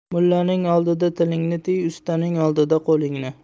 mullaning oldida tilingni tiy ustaning oldida qo'lingni